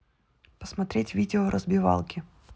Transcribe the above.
посмотреть видео разбивалки